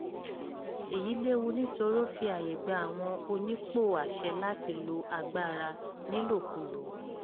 Èyí léwu nítorí ó fi àyè gba àwọn onípò àṣẹ láti lo agbára nílòkulò.